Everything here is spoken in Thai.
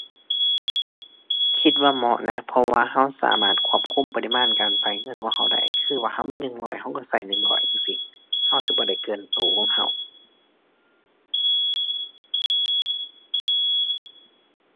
คิดว่าเหมาะนะ เพราะว่าเราสามารถควบคุมปริมาณการเราเงินของเราได้ คือว่าเรามีหนึ่งร้อยเราเราเราหนึ่งร้อยจั่งซี้ เราสิบ่ได้เกินเราของเรา